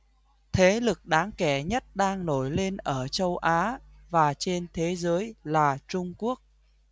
thế lực đáng kể nhất đang nổi lên ở châu á và trên thế giới là trung quốc